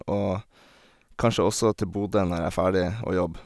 Og kanskje også til Bodø når jeg er ferdig å jobbe.